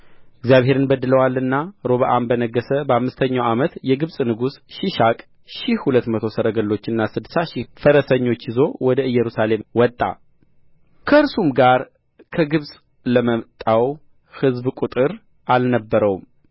እግዚአብሔርን በድለዋልና ሮብዓም በነገሠ በአምስተኛው ዓመት የግብጽ ንጉሥ ሺሻቅ ሺህ ሁለት መቶ ሰረገሎችና ስድሳ ሺህ ፈረሰኞች ይዞ ወደ ኢየሩሳሌም ወጣ ከእርሱም ጋር ከግብጽ ለመጣው ሕዝብ ቍጥር አልነበረውም